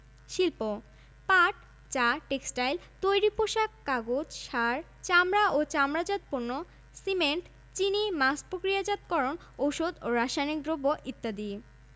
রপ্তানি প্রক্রিয়াকরণ এলাকাঃ ইপিজেড বর্তমানে ঢাকা ও চট্টগ্রামে একটি করে মোট ২টি ইপিজেড রয়েছে